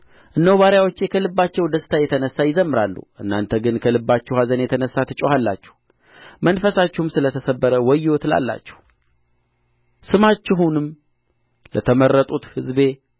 እነሆ ባሪያዎቼ ይጠጣሉ እናንተ ግን ትጠማላችሁ እነሆ ባሪያዎቼ ደስ ይላቸዋል እናንተ ግን ታፍራላችሁ እነሆ ባሪያዎቼ ከልባቸው ደስታ የተነሣ ይዘምራሉ እናንተ ግን ከልባችሁ ኀዘን የተነሣ ትጮኻላችሁ መንፈሳችሁም ስለ ተሰበረ ወዮ ትላላችሁ ስማችሁንም ለተመረጡት ሕዝቤ እ